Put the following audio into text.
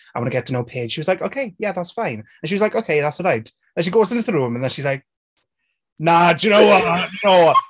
"I want to get to know Paige." She was like, "Ok, yeah that's fine." And she was like "Ok, that's alright." Then she goes into the room, and then she's like "Nah, do you know what? No!"